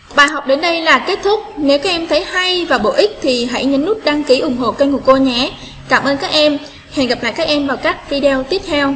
bài học đến đây là kết thúc nếu em thấy hay và bổ ích thì hãy nhấn nút đăng ký ủng hộ kênh của tôi nhé hẹn gặp lại các em và các video tiếp theo